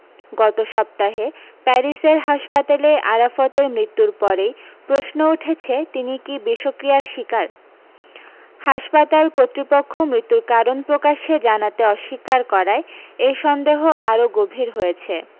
গত সপ্তাহে প্যারিসের হাসপাতালে আরাফতের মৃত্যুর পরেই প্রশ্ন উঠেছে তিনি কী বিষক্রিয়ার শিকার হাসপাতাল কর্তৃপক্ষ মৃত্যুর কারণ প্রকাশ্যে জানাতে অস্বীকার করায় এই সন্দেহ আরও গভীর হয়েছে